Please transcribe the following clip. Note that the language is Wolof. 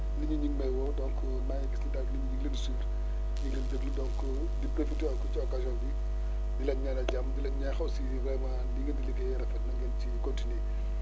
nit yi ñi ngi may woo donc maa ngi gis ni daal nit ñi ñu ngi leen di suivre ñu ngi leen di déglu donc di profiter ci occasion bi di leen ñaanal jàmm di leen ñaax aussi vraiment li ngeen di liggéeyee rafet na ngeen ciy continuer